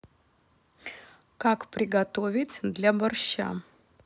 как приготовить для борща